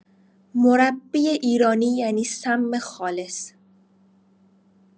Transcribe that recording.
مربی ایرانی یعنی سم خالص